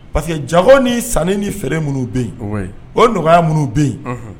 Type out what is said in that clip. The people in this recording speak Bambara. Parce que jago ni san ni fɛ minnu bɛ o nɔgɔya minnu bɛ yen